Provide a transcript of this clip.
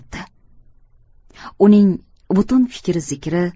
uning butun fikri zikri